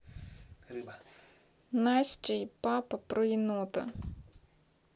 настя и папа про енота